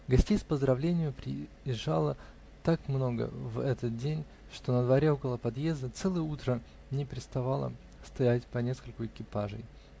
Гостей с поздравлениями приезжало так много в этот день, что на дворе, около подъезда, целое утро не переставало стоять по нескольку экипажей.